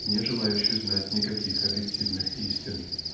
не желающей знать никаких объективных истин.